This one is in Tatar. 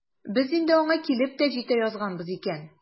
Без инде аңа килеп тә җитә язганбыз икән.